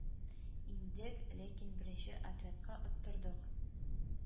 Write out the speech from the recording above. Индек, ләкин беренче отрядка оттырдык